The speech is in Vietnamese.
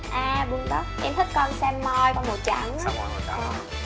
a bun đóc em thích con sa mon con màu trắng á